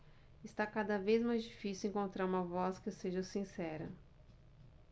está cada vez mais difícil encontrar uma voz que seja sincera